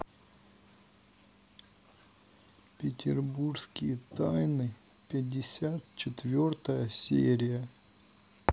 петербургские тайны пятьдесят четвертая серия